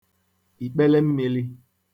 ìkpelemmīlī